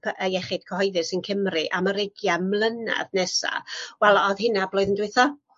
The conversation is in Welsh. cy- yy iechyd cyhoeddus yn Cimri am y ugian mlynadd nesa. Wel o'dd hynna blwyddyn dwetha.